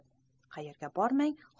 qayerga bormang